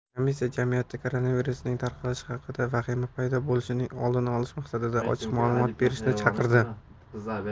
komissiya jamiyatda koronavirusning tarqalishi haqida vahima paydo bo'lishining oldini olish maqsadida ochiq ma'lumot berishga chaqirdi